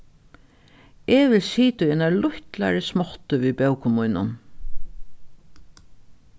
eg vil sita í eini lítlari smáttu við bókum mínum